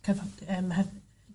cyf- yy yym hyf...